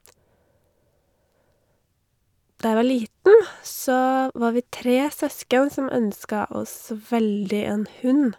Da jeg var liten så var vi tre søsken som ønsket oss veldig en hund.